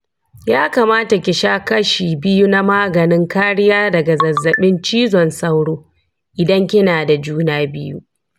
ya kamata ki sha kashi biyu na maganin kariya daga zazzaɓin cizon sauro idan kina da juna biyu